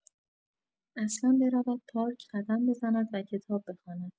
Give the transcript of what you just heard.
اصلا برود پارک قدم بزند و کتاب بخواند.